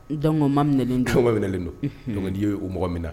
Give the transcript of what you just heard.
Dɔnkuko maminminlen dondi y'o mɔgɔ minna na